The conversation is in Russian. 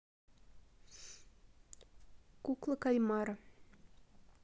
кукла кальмара